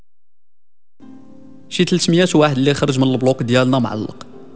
شكل سميه واحد اللي يخرج من اللي فوق ديالنا معلق